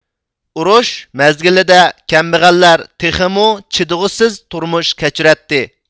ئۇرۇش مەزگىلىدە كەمبەغەللەر تېخىمۇ چىدىغۇسىز تۇرمۇش كەچۈرەتتى